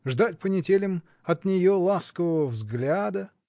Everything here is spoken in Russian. ждать по неделям от нее ласкового взгляда.